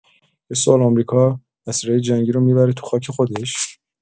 یه سوال، آمریکا اسیرای جنگی رو می‌بره تو خاک خودش؟